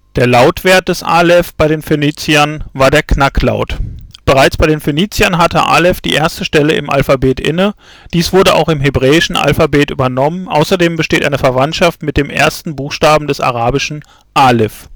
Der Lautwert des Aleph bei den Phöniziern war der Knacklaut [ʔ]. Bereits bei den Phöniziern hatte Aleph die erste Stelle im Alphabet inne, dies wurde auch im hebräischen Alphabet übernommen, außerdem besteht eine Verwandtschaft mit dem ersten Buchstaben des arabischen alif